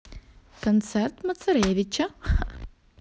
концерт мацаревича